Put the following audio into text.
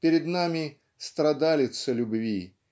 Перед нами - страдалица любви